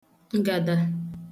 ngada